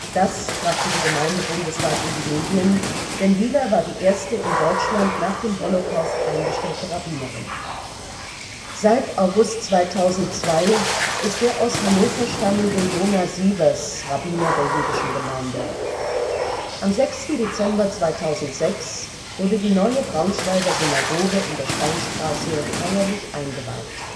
Das brachte die Gemeinde bundesweit in die Medien, denn Wyler war die erste in Deutschland nach dem Holocaust eingestellte Rabbinerin. Seit August 2002 ist der aus Hannover stammende Jonah Sievers Rabbiner der Jüdischen Gemeinde. Am 6. Dezember 2006 wurde die neue Braunschweiger Synagoge in der Steinstraße feierlich eingeweiht